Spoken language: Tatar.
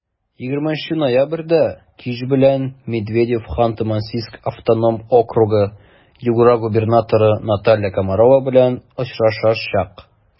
20 ноябрьдә кич белән медведев ханты-мансийск автоном округы-югра губернаторы наталья комарова белән очрашачак.